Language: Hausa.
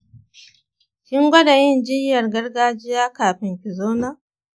ki gwada yin jinyar gargajiya kafun kizo nan?